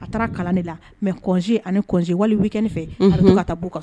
A taara kalan de la mɛnse ani kɔnsee wali bɛ kɛ in fɛ ka ka taa bɔ kan